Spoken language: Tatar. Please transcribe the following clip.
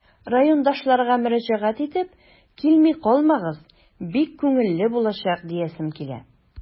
Райондашларга мөрәҗәгать итеп, килми калмагыз, бик күңелле булачак диясем килә.